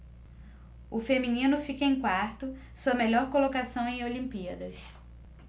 o feminino fica em quarto sua melhor colocação em olimpíadas